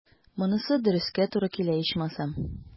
Монысы дөрескә туры килә, ичмасам.